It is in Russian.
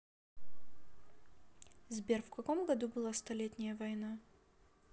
сбер в каком году была столетняя война